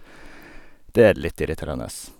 Det er litt irriterende.